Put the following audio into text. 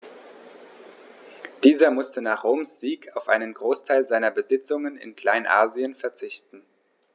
Dieser musste nach Roms Sieg auf einen Großteil seiner Besitzungen in Kleinasien verzichten.